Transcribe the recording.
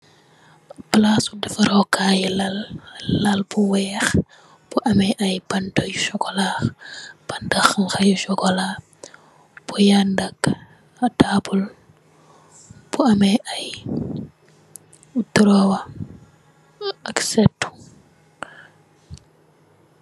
Palaas su dèfarokaay yu lal. Lal bu weeh bi ameh ay bant yu sokola, banta hankha yu sokola bu yan daka ak taabl bu ameh ay drowa ak sèttu.